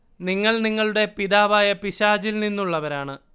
നിങ്ങൾ നിങ്ങളുടെ പിതാവായ പിശാചിൽ നിന്നുള്ളവരാണ്